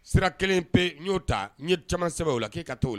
Sira kelen pe n y'o ta ɲɛ ye caman sɛbɛn o la k'i ka taa o la